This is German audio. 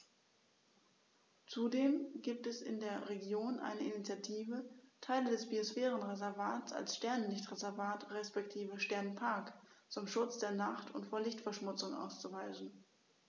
Zudem gibt es in der Region eine Initiative, Teile des Biosphärenreservats als Sternenlicht-Reservat respektive Sternenpark zum Schutz der Nacht und vor Lichtverschmutzung auszuweisen.